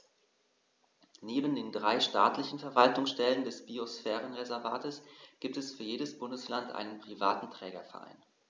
Neben den drei staatlichen Verwaltungsstellen des Biosphärenreservates gibt es für jedes Bundesland einen privaten Trägerverein.